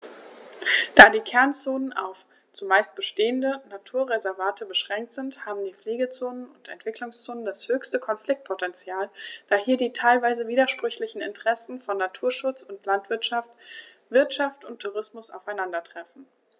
Da die Kernzonen auf – zumeist bestehende – Naturwaldreservate beschränkt sind, haben die Pflegezonen und Entwicklungszonen das höchste Konfliktpotential, da hier die teilweise widersprüchlichen Interessen von Naturschutz und Landwirtschaft, Wirtschaft und Tourismus aufeinandertreffen.